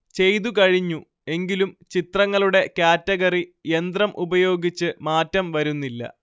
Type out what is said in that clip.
ചെയ്തു കഴിഞ്ഞു എങ്കിലും ചിത്രങ്ങളുടെ കാറ്റഗറി യന്ത്രം ഉപയോഗിച്ച് മാറ്റം വരുന്നില്ല